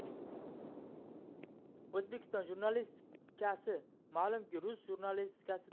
o'zbekiston jurnalistikasi ma'lumki rus jurnalistikasi